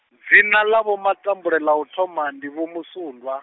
dzina ḽa Vho Matambule ḽa u thoma ndi Vho Musundwa.